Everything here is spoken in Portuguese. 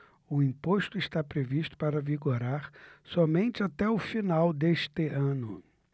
o imposto está previsto para vigorar somente até o final deste ano